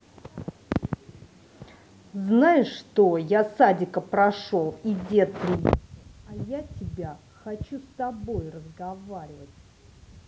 знаешь что я садика прошел и дед приехал а я тебя хочу с тобой разговаривать